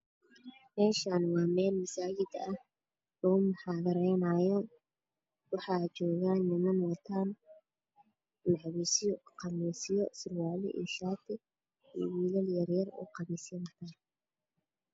Meeshaan waa meel masaajid ah oo la muxaadareynayo, waxaa joogaan niman wato macawisyo, qamiisyo, surwaalo iyo shaati. Iyo wiilal yaryar oo qamiisyo wato.